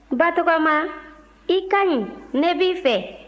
batɔgɔma i ka ɲi ne b'i fɛ